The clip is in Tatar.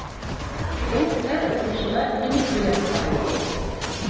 Ул һәр укучыга өмет белән карый.